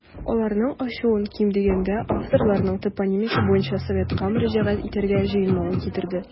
Аларның ачуын, ким дигәндә, авторларның топонимика буенча советка мөрәҗәгать итәргә җыенмавы китерде.